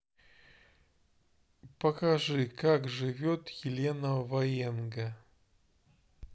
покажи как живет елена ваенга